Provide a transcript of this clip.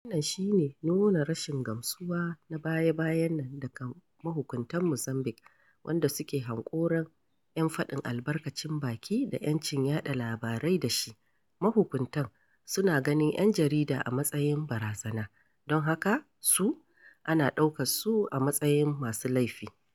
Wannan shi ne nuna rashin gamsuwa na baya-bayan nan daga mahukuntan Mozambiƙue wanda suke hanƙoron 'yan faɗin albarkacin baki da 'yancin yaɗa labarai da shi [mahunkunta] suna ganin 'yan jarida a matsayin barazana... [don haka su] ana ɗaukar su a matsayin masu laifi.